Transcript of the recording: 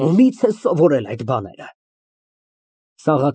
ԲԱԳՐԱՏ ֊ Շփոթված և միևնույն ժամանակ վրդովված։